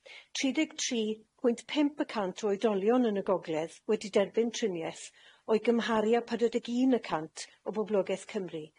Tri deg tri pwynt pump y cant o oedolion yn y Gogledd wedi derbyn trinieth, o'i gymharu â pedwar deg un y cant o boblogeth Cymru.